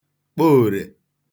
kpoòrè